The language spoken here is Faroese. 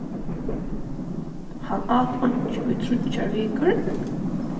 hann át einki í tríggjar vikur